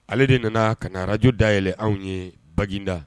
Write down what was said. Ale de nana ka na Radio dayɛlɛ anw ye bagineda.